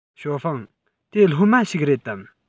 ཞའོ ཧྥུང དེ སློབ མ ཞིག རེད དམ